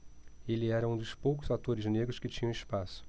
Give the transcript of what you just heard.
ele era um dos poucos atores negros que tinham espaço